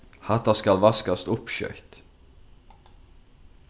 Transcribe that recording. hatta skal vaskast upp skjótt